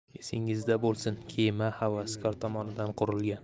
esingizda bo'lsin kema havaskor tomonidan qurilgan